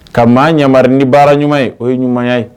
Ka maa yamari ni baara ɲuman ye o ye ɲuman ye